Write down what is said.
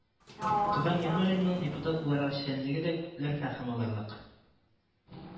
Туфан Миңнуллинның депутат буларак эшчәнлеге дә күпләр фәһем алырлык